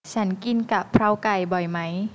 ฉันกินกะเพราไก่บ่อยไหม